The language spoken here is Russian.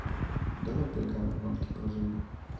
давай поиграем в гонки про зомби